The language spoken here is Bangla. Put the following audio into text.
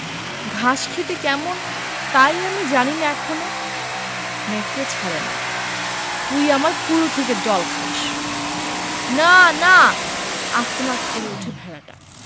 ঘাস খেতে কেমন তাই আমি জানি না এখনো নেকড়ে ছাড়ে না তুই আমার কুয়ো থেকে জল খাস না না আর্তনাদ করে ওঠে ভেড়াটা